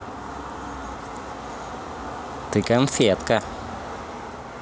ты конфетка